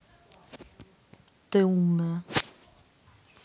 ты умная